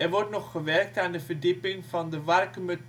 wordt nog gewerkt aan de verdieping van de Warkumer